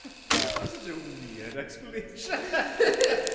That was such a weird explanation.